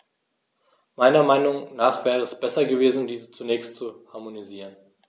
Meiner Meinung nach wäre es besser gewesen, diese zunächst zu harmonisieren.